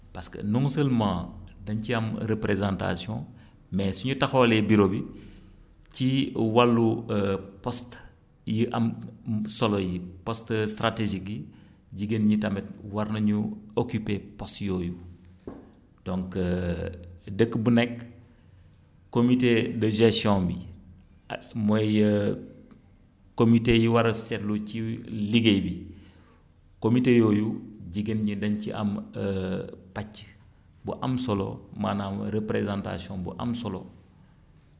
parce que non seulement dañ ci am représentation mais suñu taxawalee bureau bi ci wàllu poste yi am solo yi poste stratégiques yi jigéen ñi tamit war nañu occupé postes yooyu donc dëkk bu nekk comité de gestion bi mooy comité bi war a seetlu ci liggéy bi comité yooyu jigéen ñi dañu ci am pàcc bu am solo maanaam représentation bu am solo